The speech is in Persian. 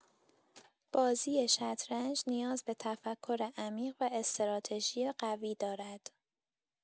بازی شطرنج نیاز به تفکر عمیق و استراتژی قوی دارد.